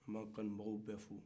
an b'an kanun bagaw bɛ fo